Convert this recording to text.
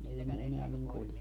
ei ne enää niin kulje